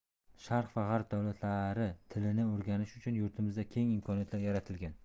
sharq va g'arb davlatlari tilini o'rganish uchun yurtimizda keng imkoniyatlar yaratilgan